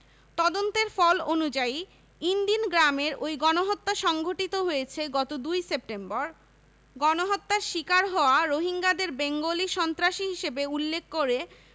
তদন্তের ফল অনুযায়ী ইনদিন গ্রামের ওই গণহত্যা সংঘটিত হয়েছে গত ২ সেপ্টেম্বর গণহত্যার শিকার হওয়া রোহিঙ্গাদের বেঙ্গলি সন্ত্রাসী হিসেবে উল্লেখ করে